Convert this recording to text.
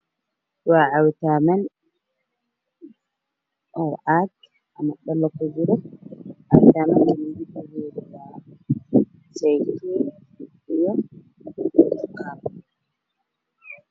Waa cabitaanan oo caag iyo dhalo ku jiro cabitaamanka midabkoodu wa saytuun iyo ofokaadho